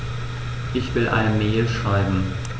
Ich will eine Mail schreiben.